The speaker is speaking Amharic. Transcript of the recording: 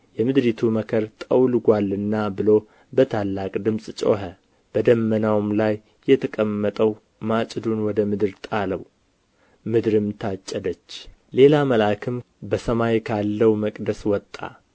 የምድሪቱ መከር ጠውልጓልና ብሎ በታላቅ ድምፅ ጮኸ በደመናውም ላይ የተቀመጠው ማጭዱን ወደ ምድር ጣለው ምድርም ታጨደች ሌላ መልአክም በሰማይ ካለው መቅደስ ወጣ